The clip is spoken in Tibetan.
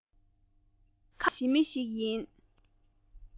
ཁམས ཕྱོགས ན སྐྱེས པའི ཞི མི ཞིག ཡིན